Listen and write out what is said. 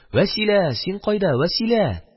«вәсилә! син кайда, вәсилә?»